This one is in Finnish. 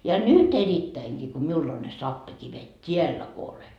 ja nyt erittäinkin kun minulla on ne sappikivet täällä kun olen